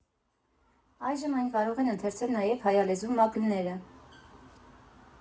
Այժմ այն կարող են ընթերցել նաև հայալեզու մագլները։